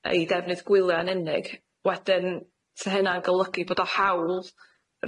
ei defnydd gwylia' yn unig wedyn 'sa hynna'n golygu bod o hawl